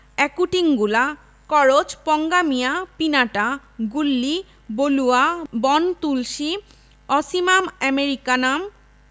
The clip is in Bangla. অ্যাকুটিঙ্গুলা করচ পঙ্গামিয়া পিনাটা গুল্লী বলুয়া বনতুলসী অসিমাম অ্যামেরিকানাম